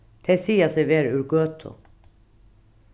tey siga seg vera úr gøtu